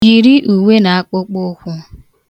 Yiri uwe na akpụkpụkwụ.